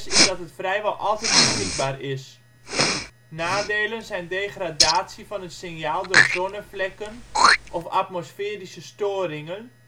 is dat het vrijwel altijd beschikbaar is. Nadelen zijn degradatie van het signaal door zonnevlekken of atmosferische storingen